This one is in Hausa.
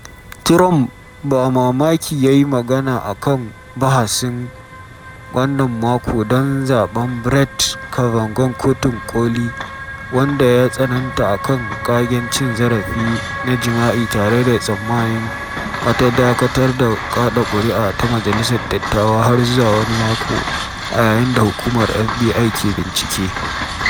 Trump ba mamaki ya yi magana a kan bahasin wannan mako don zaɓan Brett Kavanaugh Kotun Koli, wanda ya tsananta a kan kagen cin zarafi na jima’i tare da tsammani wata dakatar da kaɗa kuri’a ta Majalisar Dattawa har zuwa wani mako a yayin da hukumar FBI ke bincike.